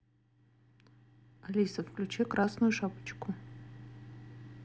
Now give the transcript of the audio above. алиса включи красную шапочку